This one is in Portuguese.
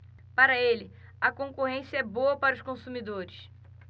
para ele a concorrência é boa para os consumidores